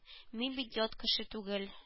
Мин бит ят кеше түгел